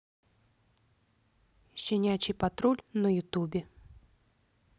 щенячий патруль на ютубе